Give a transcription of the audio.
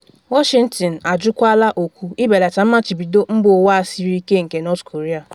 Washington ajụkwala oku ibelata mmachibido mba ụwa a siri ike nke North Korea.